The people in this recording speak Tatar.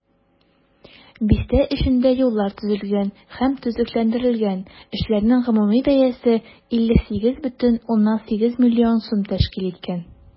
Бистә эчендә юллар төзелгән һәм төзекләндерелгән, эшләрнең гомуми бәясе 58,8 миллион сум тәшкил иткән.